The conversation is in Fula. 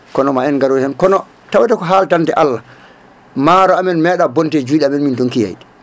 kono ma en garoy hen kono tawde ko haaldande Allah maaro amen meeɗa bonde e juuɗe amen min donki yeyde